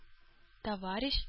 Товарищ